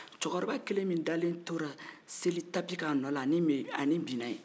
cɛkoroba kelen min dalen tora seli tapi kan a nin binna ye